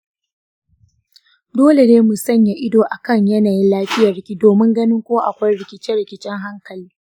dole ne mu sanya ido a kan yanayin lafiyarki domin ganin ko akwai rikice-rikicen hankali.